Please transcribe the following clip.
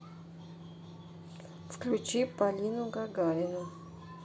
включи полину гагарину